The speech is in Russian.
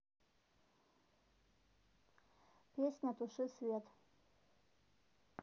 песня туши свет